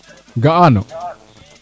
ga'ano